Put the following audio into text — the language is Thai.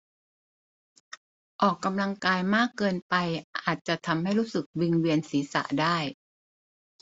ออกกำลังกายมากเกินไปอาจจะทำให้รู้สึกวิงเวียนศีรษะได้